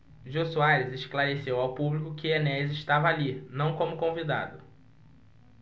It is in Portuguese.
jô soares esclareceu ao público que enéas estava ali não como convidado